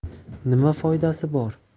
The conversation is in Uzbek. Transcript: nima foydasi bor